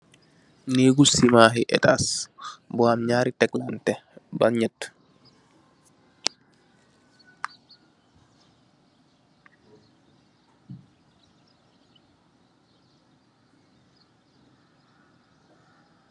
Neegu sima yi ètas , bu am ñaari tek lanteh ba ñiett.